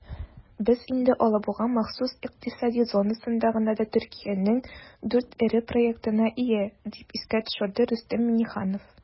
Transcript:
"без инде алабуга махсус икътисади зонасында гына да төркиянең 4 эре проектына ия", - дип искә төшерде рөстәм миңнеханов.